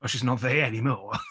Well she's not there anymore.